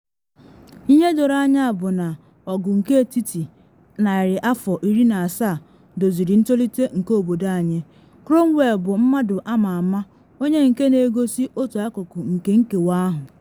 Ihe doro anya bụ na ọgụ nke etiti narị afọ 17 doziri ntolite nke obodo anyị, Cromwell bụ mmadụ ama ama onye nke na egosi otu akụkụ nke nkewa ahụ.